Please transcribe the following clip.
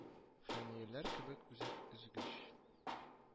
Хәнияләр кебек үзәк өзгеч